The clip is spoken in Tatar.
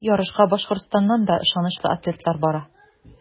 Ярышка Башкортстаннан да ышанычлы атлетлар бара.